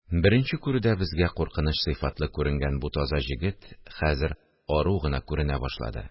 Беренче күрүдә безгә куркыныч сыйфатлы күренгән бу таза җегет хәзер ару гына күренә башлады